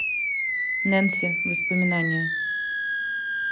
нэнси воспоминания